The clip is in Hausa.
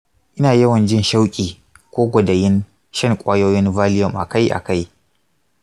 ina yawan jin shauƙi ko kwadayin shan ƙwayoyin valium akai-akai.